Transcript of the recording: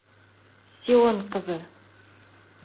Сион кызы!